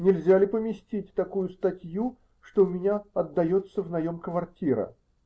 Нельзя ли поместить такую статью, что у меня отдается внаем квартира?